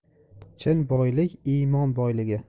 chin boylik imon boyligi